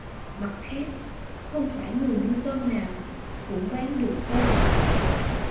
mặt khác không phải người nuôi tôm nào cũng bán được tôm